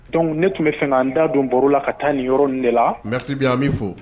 Dɔnkuc ne tun bɛ fɛ an da don baro la ka taa nin yɔrɔ de la mɛsi an bɛ fɔ